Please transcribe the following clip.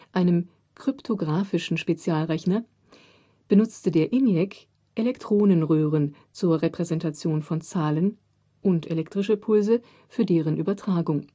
einem kryptographischen Spezialrechner, benutzte der ENIAC Elektronenröhren zur Repräsentation von Zahlen und elektrische Pulse für deren Übertragung